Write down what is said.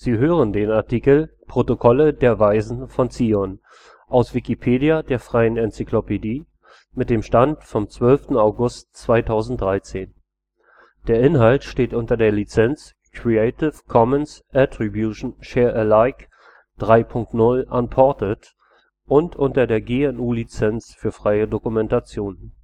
hören den Artikel Protokolle der Weisen von Zion, aus Wikipedia, der freien Enzyklopädie. Mit dem Stand vom Der Inhalt steht unter der Lizenz Creative Commons Attribution Share Alike 3 Punkt 0 Unported und unter der GNU Lizenz für freie Dokumentation